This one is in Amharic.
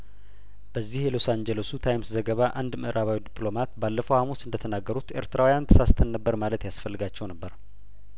በዚህ የሎስ አንጀ ለሱ ታይምስ ዘገባ አንድ ምእራባዊ ዲፕሎማት ባለፈው ሀሙስ እንደተናገሩት ኤርትራውያን ተሳስተን ነበር ማለት ያስፈልጋቸው ነበር